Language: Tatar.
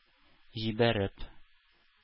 Җибәреп